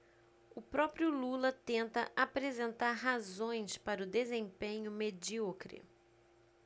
o próprio lula tenta apresentar razões para o desempenho medíocre